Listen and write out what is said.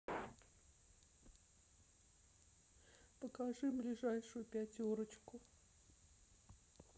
покажи ближайшую пятерочку